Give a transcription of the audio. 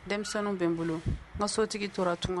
Denmisɛnninw bɛ n bolo, n ka sotigi tora tun